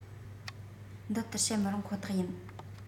འདི ལྟར བཤད མི རུང ཁོ ཐག ཡིན